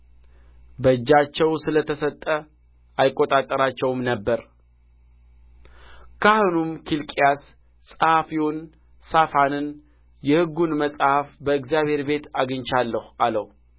በእጃቸው ስለ ተሰጠ አይቈጣጠሩአቸውም ነበር ካህኑም ኬልቅያስ ጸሐፊውን ሳፋንን የሕጉን መጽሐፍ በእግዚአብሔር ቤት አግኝቻለሁ አለው